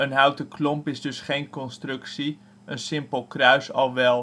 houten klomp is dus geen constructie. Een simpel kruis al wel